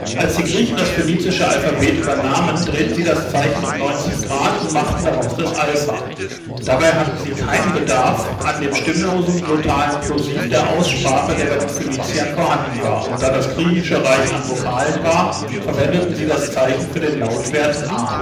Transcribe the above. Als die Griechen das phönizische Alphabet übernahmen, drehten sie das Zeichen um 90 Grad und machten daraus das Alpha. Dabei hatten sie keinen Bedarf an dem stimmlosen glottalen Plosiv der Aussprache, der bei den Phöniziern vorhanden war, und da das Griechische reich an Vokalen war, verwendeten sie das Zeichen für den Lautwert [a